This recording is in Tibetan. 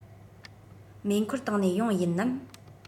མེ འཁོར བཏང ནས ཡོང ཡིན ནམ